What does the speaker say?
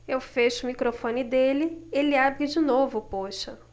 eu fecho o microfone dele ele abre de novo poxa